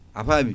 a faami